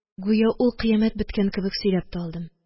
Гүя ул кыямәт беткән кебек сөйләп тә алдым